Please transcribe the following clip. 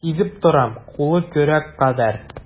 Сизеп торам, кулы көрәк кадәр.